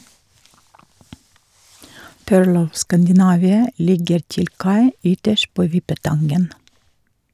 "Pearl of Scandinavia" ligger til kai ytterst på Vippetangen.